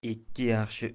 ikki yaxshi uyada